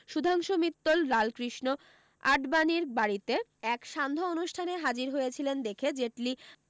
সুধাংশু মিত্তল লালকৃষ্ণ আডবাণীর বাড়ীতে এক সান্ধ্য অনুষ্ঠানে হাজির হয়েছিলেন দেখে জেটলি